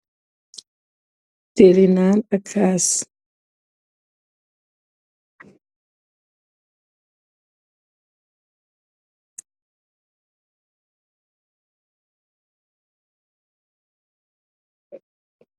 Kii di nään ak kâss